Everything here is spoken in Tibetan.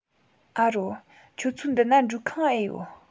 ཨ རོ ཁྱོད ཚོའི འདི ན འགྲུལ ཁང ཨེ ཡོད